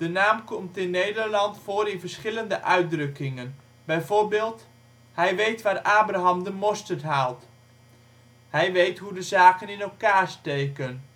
naam komt in Nederland voor in verschillende uitdrukkingen. Bijvoorbeeld: Hij weet waar Abraham de mosterd haalt - hij weet hoe de zaken in elkaar steken